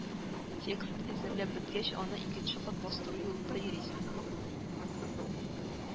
Текст әзерләп беткәч, аны икенче кат бастыру юлында йөрисең